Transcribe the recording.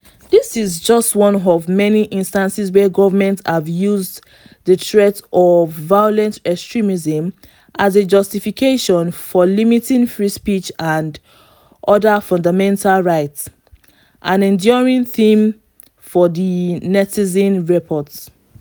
This is just one of many instances where governments have used the threat of violent extremism as a justification for limiting free speech and other fundamental rights — an enduring theme for the Netizen Report.